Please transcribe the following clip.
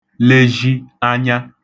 lezhi anya